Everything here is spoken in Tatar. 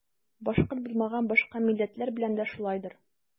Башкорт булмаган башка милләтләр белән дә шулайдыр.